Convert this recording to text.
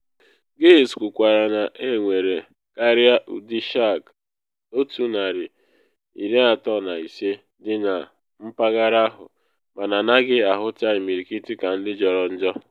Giles kwukwara na enwere karịa ụdị shark 135 dị na mpaghara ahụ, mana anaghị ahụta imirikiti ka ndị jọrọ njọ.